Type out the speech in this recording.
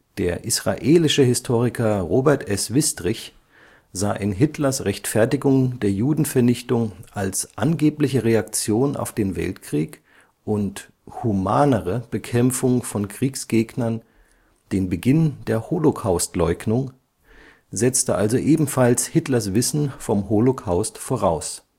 Der israelische Historiker Robert S. Wistrich sah in Hitlers Rechtfertigung der Judenvernichtung als angebliche Reaktion auf den Weltkrieg und „ humanere “Bekämpfung von Kriegsgegnern den Beginn der Holocaustleugnung, setzte also ebenfalls Hitlers Wissen vom Holocaust voraus